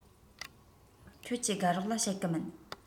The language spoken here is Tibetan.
ཁྱོད ཀྱི དགའ རོགས ལ བཤད གི མིན